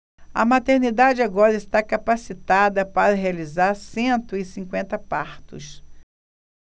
a maternidade agora está capacitada para realizar cento e cinquenta partos